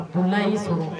O ma ii so